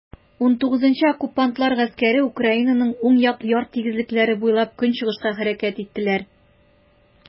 XIX Оккупантлар гаскәре Украинаның уң як яр тигезлекләре буйлап көнчыгышка хәрәкәт иттеләр.